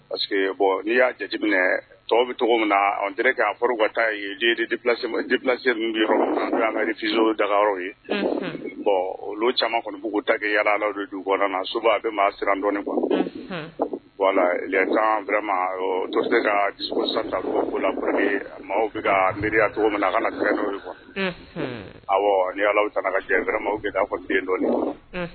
Paseke bɔn ni y'a jate bɛ min na ka taa an dagayɔrɔ ye bɔn caman kɔnibugu ta yalala ju kɔnɔna na so a bɛ ma sirandɔɔni bɔ ma to se kata la maaw bɛ ka miiriya cogo min na a ka siran dɔ aw ni kaɛrɛma kɛ' fɔ den dɔɔni ma